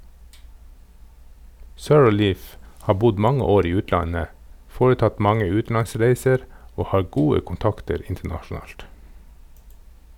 Sirleaf har bodd mange år i utlandet, foretatt mange utenlandsreiser og har gode kontakter internasjonalt.